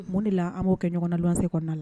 Mun de la an b'o kɛ ɲɔgɔn se kɔnɔna la